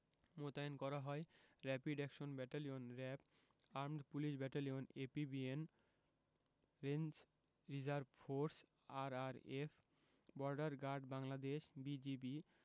মোতায়েন করা হয় rapid action battalion RAB armed police battalion APBN range reserve force RRF border guard Bangladesh BGB